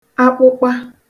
akpụkpa